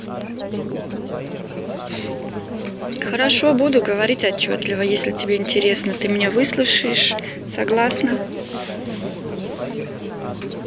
хорошо буду говорить отчетливо если тебе интересно ты меня выслушаешь согласна